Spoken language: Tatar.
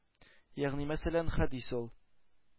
-ягъни мәсәлән, хәдис ул,